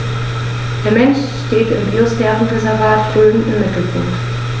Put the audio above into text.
Der Mensch steht im Biosphärenreservat Rhön im Mittelpunkt.